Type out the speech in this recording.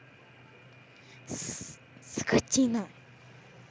скотина